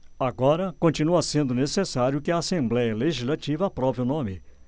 agora continua sendo necessário que a assembléia legislativa aprove o nome